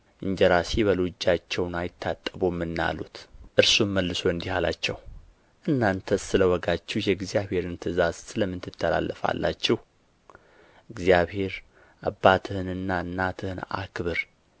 እንጀራ ሲበሉ እጃቸውን አይታጠቡምና አሉት እርሱም መልሶ እንዲህ አላቸው እናንተስ ስለ ወጋችሁ የእግዚአብሔርን ትእዛዝ ስለ ምን ትተላለፋላችሁ እግዚአብሔር አባትህንና እናትህን አክብር